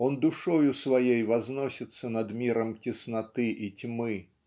Он душою своей возносится над "миром тесноты и тьмы"